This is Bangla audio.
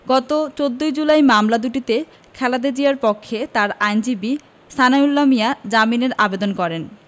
গত ১৪ জুন মামলা দুটিতে খালেদা জিয়ার পক্ষে তার আইনজীবী সানাউল্লাহ মিয়া জামিনের আবেদন করেন